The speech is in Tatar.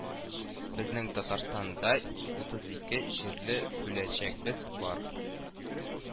Безнең Татарстанда утыз ике җирле бүлекчәбез бар